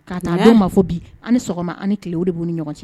Ka taa a'a ma fɔ bi ani sɔgɔma ani ni tile o b'u ni ɲɔgɔn cɛ